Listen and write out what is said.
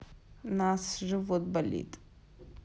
нас живот болит